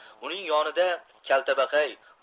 uning yonida kaltabaqay